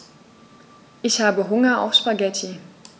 Ich habe Hunger auf Spaghetti.